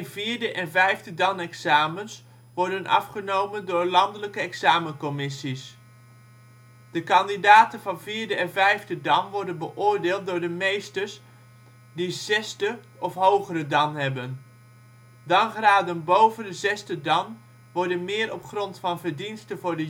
4e en 5e dan-examens worden afgenomen door landelijke examencommissies. De kandidaten van 4e of 5e dan worden beoordeeld door de meesters die 6e of hogere dan hebben. Dangraden boven 6e dan worden meer op grond van verdiensten voor de